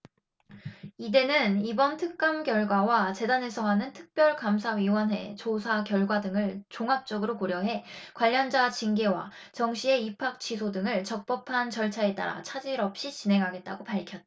이대는 이번 특감 결과와 재단에서 하는 특별감사위원회 조사 결과 등을 종합적으로 고려해 관련자 징계와 정씨의 입학취소 등을 적법한 절차에 따라 차질 없이 진행하겠다고 밝혔다